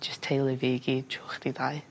jyst teulu fi i gyd trw chdi ddau.